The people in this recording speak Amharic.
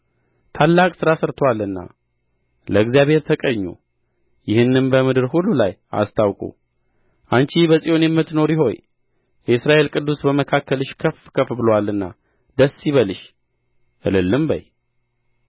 ታላቅ ሥራ ሠርቶአልና ለእግዚአብሔር ተቀኙ ይህንም በምድር ሁሉ ላይ አስታውቁ አንቺ በጽዮን የምትኖሪ ሆይ የእስራኤል ቅዱስ በመካከልሽ ከፍ ከፍ ብሎአልና ደስ ይበልሽ እልልም በዪ